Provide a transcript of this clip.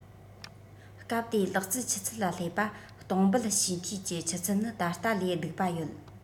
སྐབས དེའི ལག རྩལ ཆུ ཚད ལ བསླེབས པ གཏོང འབུད བྱས འཐུས ཀྱི ཆུ ཚད ནི ད ལྟ ལས སྡུག པ ཡོད